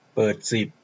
เปิดสิบ